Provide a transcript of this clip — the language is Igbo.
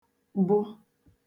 bụ